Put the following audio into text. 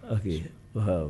Ayi hɔ